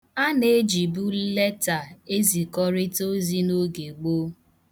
A na-ejibu leta ezikọritakari ozi n'oge gboo.